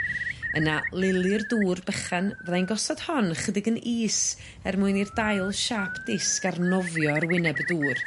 Yna lili'r dŵr bychan fyddai'n gosod hon chydig yn is er mwyn i'r dail siâp disg arnofio ar wyneb y dŵr.